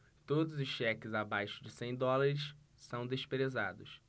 todos os cheques abaixo de cem dólares são desprezados